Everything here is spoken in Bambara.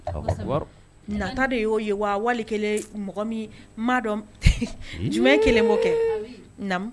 Nata de y'o ye wa wali mɔgɔ min madɔ jumɛn kelen' kɛ